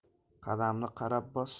qadamni qarab bos